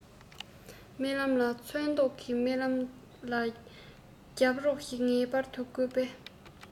རྨི ལམ ལ ཚོན མདོག རྨི ལམ ལ རྒྱབ རོགས ཤིག ངེས པར དུ དགོས པས